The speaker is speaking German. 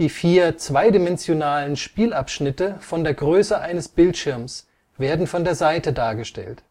vier zweidimensionalen Spielabschnitte von der Größe eines Bildschirms werden von der Seite dargestellt